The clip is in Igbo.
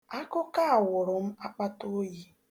Akụkọ a wụrụ m akpatooyi.